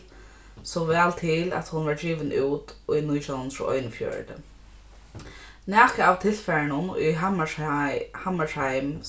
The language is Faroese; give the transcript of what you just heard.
so væl til at hon varð givin út í nítjan hundrað og einogfjøruti nakað av tilfarinum ið hammershaimb hammershaimb